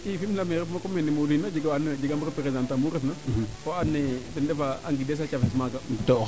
i Fimela mee refma comme nene Modou yiin jegaam waa ando naye jegam representant mu refeerna fowa ando naye den ndef a ngides a cafes maaga